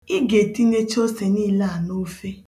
Ị ga-etinyecha ose niile a n'ofe.